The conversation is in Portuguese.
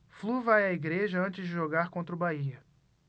flu vai à igreja antes de jogar contra o bahia